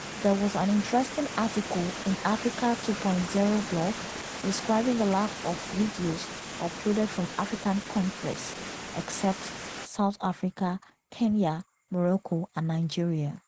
There was an interesting article in Africa2.0 blog describing the lack of videos uploaded from African countries (except South Africa, Kenya, Morocco and Nigeria).